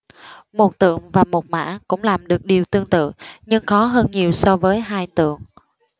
một tượng và một mã cũng làm được điều tượng tự nhưng khó hơn nhiều so với hai tượng